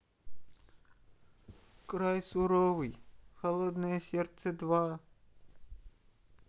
край суровый холодное сердце два